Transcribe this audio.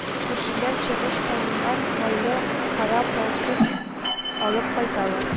Күршеләр Чыгыш тавыннан майлы кара балчык алып кайталар